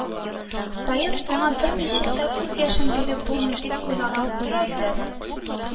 Саен, аңа берничек тә үз яшен биреп булмый дип уйлап куя идем